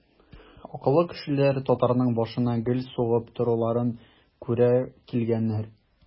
Акыллы кешеләр татарның башына гел сугып торуларын күрә килгәннәр.